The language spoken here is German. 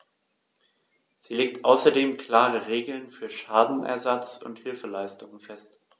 Sie legt außerdem klare Regeln für Schadenersatz und Hilfeleistung fest.